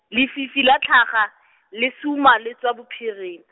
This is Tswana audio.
lefifi la tlhaga, le suma le tswa bophirima.